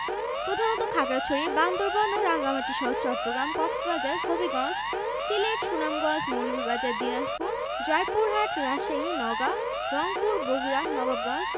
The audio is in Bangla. ময়মনসিংহ নেত্রকোনা বরগুনা পটুয়াখালী ও ভোলা